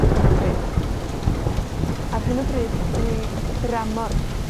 ar hyn o bryd. Ar hyn o bryd, dwi dramor.